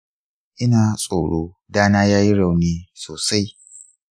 ina tsoro dana ya yi rauni sosai.